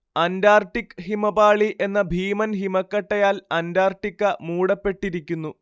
Antarctic ഹിമപാളി എന്ന ഭീമൻ ഹിമക്കട്ടയാൽ അന്റാർട്ടിക്ക മൂടപ്പെട്ടിരിക്കുന്നു